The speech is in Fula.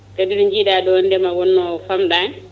kadi ɗo jiiɗaɗo ndeema wonno famɗani